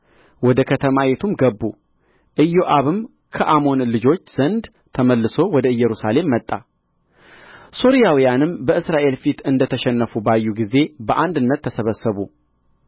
ወደ ከተማይቱም ገቡ ኢዮአብም ከአሞን ልጆች ዘንድ ተመልሶ ወደ ኢየሩሳሌም መጣ ሶርያውያንም በእስራኤል ፊት እንደ ተሸነፉ ባዩ ጊዜ በአንድነት ተሰበሰቡ